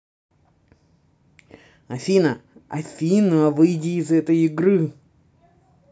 афина афина выйди из этой игры